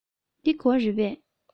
འདི སྒོ རེད པས